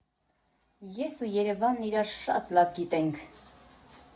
Ես ու Երևանն իրար շատ լավ գիտենք։